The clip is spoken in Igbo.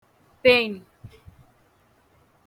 peni